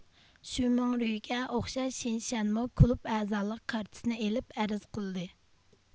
شۈمىڭرۈيگە ئوخشاش شېن شەنمۇ كۇلۇب ئەزالىق كارتىسىنى ئېلىپ ئەرز قىلدى